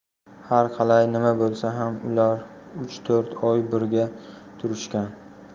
har qalay nima bo'lsa ham ular uch to'rt oy birga turishgan